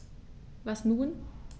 Was nun?